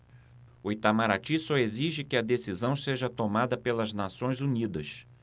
o itamaraty só exige que a decisão seja tomada pelas nações unidas